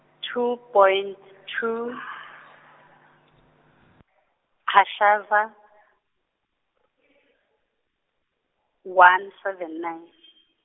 two point, two , chashaza, one, seven, nine .